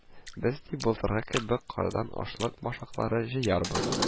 Без, ди, былтыргы кебек кардан ашлык башаклары җыярбыз